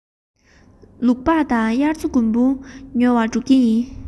ལུག པགས དང དབྱར རྩྭ དགུན འབུ ཉོ བར འགྲོ གི ཡིན